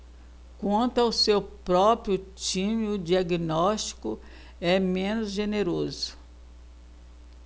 quanto ao seu próprio time o diagnóstico é menos generoso